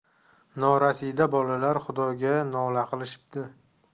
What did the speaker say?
norasida bolalar xudoga nola qilishibdi